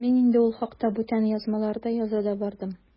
Мин инде ул хакта бүтән язмаларда яза да бардым.